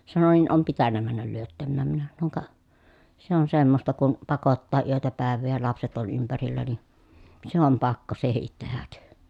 sanoi niin on pitänyt mennä lyöttämään minä sanoin ka se on semmoista kun pakottaa yötä päivää ja lapset oli ympärillä niin se on pakko sekin tehdä